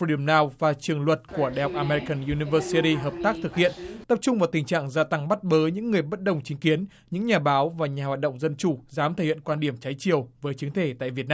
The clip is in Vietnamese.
đừn nao và trường luật của đại học a me ri cừn ui ni vơ si ti hợp tác thực hiện tập trung vào tình trạng gia tăng bắt bớ những người bất đồng chính kiến những nhà báo và nhà hoạt động dân chủ dám thể hiện quan điểm trái chiều về chính thể tại việt